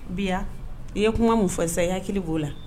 Bi i ye kuma mun fasa i' hakili b'o la